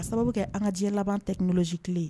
A sababu kɛ an ka ji laban tɛsi tile ye